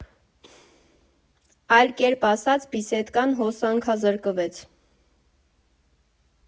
Այլ կերպ ասած՝ «Բիսեդկան» հոսանքազրկվեց։